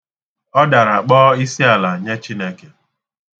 Ọ dara kpọọ isiala nye Chineke.